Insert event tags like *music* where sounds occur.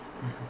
*hesitation* *hesitation*